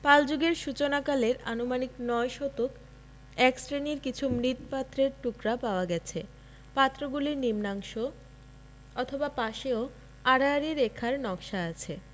পালযুগের সূচনা কালের আনুমানিক নয় শতক এক শ্রেণির কিছু মৃৎপাত্রের টুকরা পাওয়া গেছে পাত্রগুলির নিম্নাংশ অথবা পাশেও আড়াআড়ি রেখার নকশা আছে